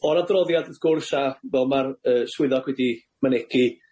O'r adroddiad wrth gwrs, a fel ma'r yy swyddog wedi mynegi,